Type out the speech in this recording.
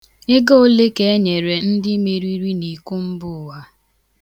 Ego ole ka enyere ndị meriri n'iko mbụụwa